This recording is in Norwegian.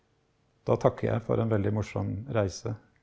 da takker jeg for en veldig morsom reise.